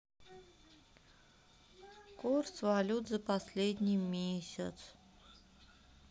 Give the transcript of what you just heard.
курс валют за последний месяц